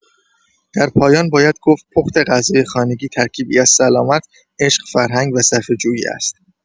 در پایان باید گفت پخت غذای خانگی ترکیبی از سلامت، عشق، فرهنگ و صرفه‌جویی است.